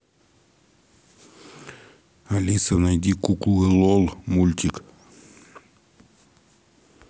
алиса найди куклы лол мультик